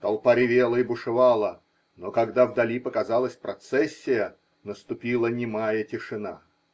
Толпа ревела и бушевала, но когда вдали показалась процессия, наступила немая тишина.